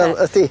Wel ydi.